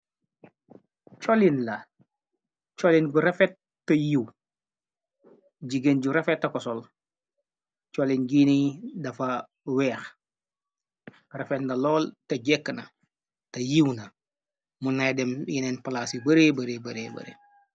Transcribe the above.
la collin bu refet ta yiiw jigen ju refetako sol colin giiniy dafa weex refet na lool te jekk na te yiiw na mu nay dem yeneen palaas yu bare bare bare bare